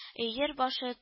Өер башы